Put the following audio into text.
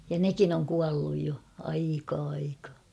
ja nekin on kuollut jo aikaa aikaa